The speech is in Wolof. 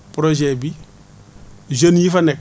projet bi jeunes yi fa nekk